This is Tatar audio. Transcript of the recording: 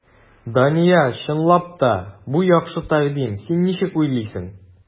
Дания, чынлап та, бу яхшы тәкъдим, син ничек уйлыйсың?